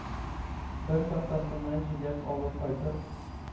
“бер тактасына җиләк алып кайтып